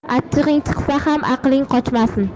achchig'ing chiqsa ham aqling qochmasin